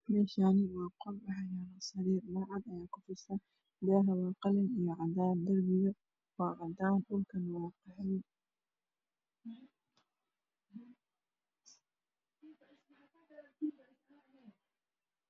Meshani wa qol waxayalo sariir mato cad aa kufisan daha waa qalin io cadan darbiga waa cadan dhulkana waa qaxwi